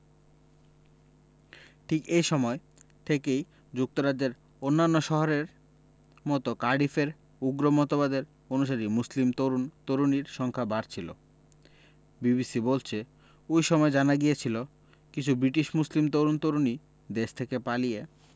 ঠিক এই সময় থেকেই যুক্তরাজ্যের অন্যান্য শহরের মতো কার্ডিফের উগ্র মতবাদের অনুসারী মুসলিম তরুণ তরুণীর সংখ্যা বাড়ছিল বিবিসি বলছে ওই সময় জানা গিয়েছিল কিছু ব্রিটিশ মুসলিম তরুণ তরুণী দেশ থেকে পালিয়ে